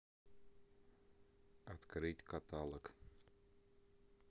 открыть каталог